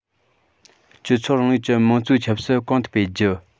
སྤྱི ཚོགས རིང ལུགས ཀྱི དམངས གཙོའི ཆབ སྲིད གོང དུ སྤེལ རྒྱུ